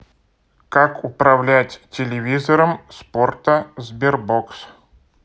как управлять телевизором спорта sberbox